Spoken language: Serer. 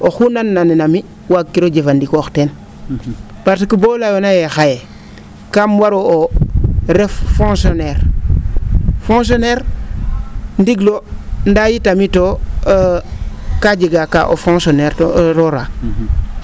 oxuu nan na nena mi waagkiro jefandikoor teen parce que boo layoona ye xaye kam waro 'o ref fonctionnaire fonctionnaire ndingil loo ndaa itamitoo kaa jega ka o fonctionnaire